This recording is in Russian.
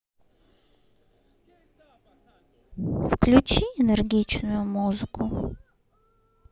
включи энергичную музыку